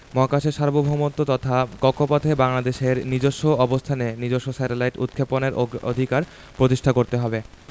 মহাকাশের সার্বভৌমত্ব তথা কক্ষপথে বাংলাদেশের নিজস্ব অবস্থানে নিজস্ব স্যাটেলাইট উৎক্ষেপণের অধিকার প্রতিষ্ঠা করতে হবে